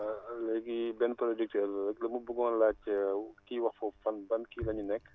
léegi benn producteur la rek dama buggoon laajte kiy wax foofu fan ban kii la ñu nekk